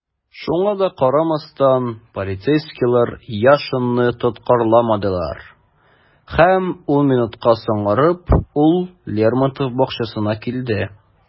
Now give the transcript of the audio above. Шуңа да карамастан, полицейскийлар Яшинны тоткарламадылар - һәм ун минутка соңарып, ул Лермонтов бакчасына килде.